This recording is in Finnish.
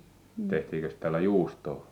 tehtiinkös täällä juustoa